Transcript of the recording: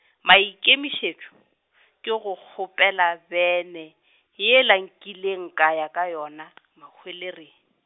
maikemišetšo , ke go kgopela bene, yela nkileng ka ya ka yona , Mahwelereng.